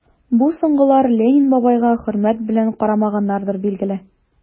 Бу соңгылар Ленин бабайга хөрмәт белән карамаганнардыр, билгеле...